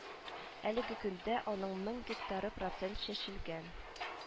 Әлеге көндә аның мең гектары процент чәчелгән